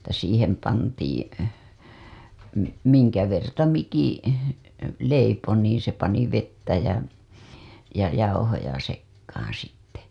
että siihen pantiin - minkä verta mikin leipoi niin se pani vettä ja ja jauhoja sekaan sitten